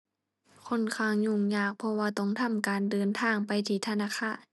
ค่อนข้างยุ่งยาก เพราะว่าต้องทำการเดินทางไปที่ธนาคาร